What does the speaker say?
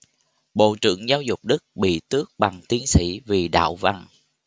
bộ trưởng giáo dục đức bị tước bằng tiến sĩ vì đạo văn